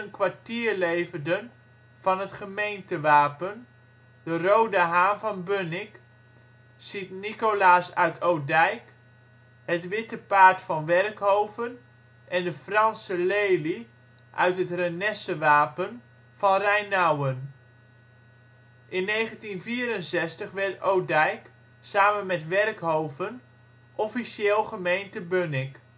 kwartier leverden van het gemeentewapen, de rode haan van Bunnik, St. Nicolaas uit Odijk, het Witte Paard van Werkhoven en de Franse lelie (uit het Renesse-wapen) van Rhijnauwen. In 1964 werd Odijk, samen met Werkhoven, officieel gemeente Bunnik